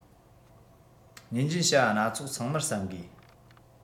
ཉིན རྒྱུན བྱ བ སྣ ཚོགས ཚང མར བསམ དགོས